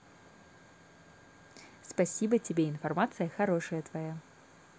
спасибо тебе информация хорошая твоя